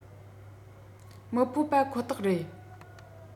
མི ཕོད པ ཁོ ཐག རེད